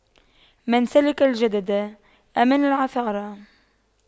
من سلك الجدد أمن العثار